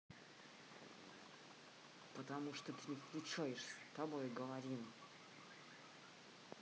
потому что ты не включаешь с тобой говорим